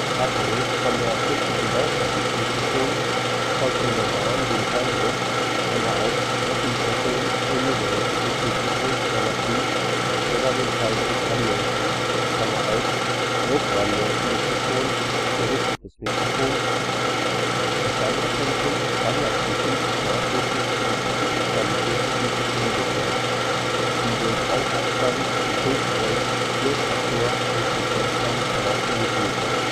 Abhängig von der akustischen Bauform des Mikrofons folgt die Membran dem Schalldruck (Druckmikrofon, ungerichtetes Mikrofon) oder dem Schalldruckgradienten (Druckgradientenmikrofon, gerichtetes Mikrofon). Das Wandlerprinzip ist maßgeblich für die technische Qualität des Mikrofonsignals, die durch Rauschabstand, Impulstreue, Klirrfaktor und Frequenzgang charakterisiert wird